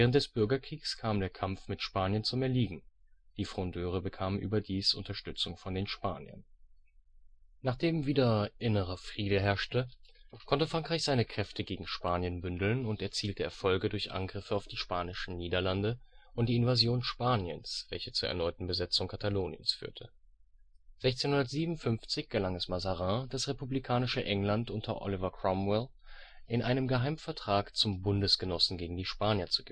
des Bürgerkriegs kam der Kampf mit Spanien zum Erliegen, die Frondeure bekamen überdies Unterstützung von den Spaniern. Nachdem wieder innerer Friede herrschte, konnte Frankreich seine Kräfte gegen Spanien bündeln und erzielte Erfolge durch Angriffe auf die Spanischen Niederlande und die Invasion Spaniens, welche zur erneuten Besetzung Kataloniens führte. 1657 gelang es Mazarin, das republikanische England unter Oliver Cromwell in einem Geheimvertrag zum Bundesgenossen gegen die Spanier zu